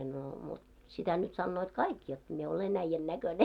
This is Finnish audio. no mutta sitä nyt sanovat kaikki jotta minä olen äijän näköinen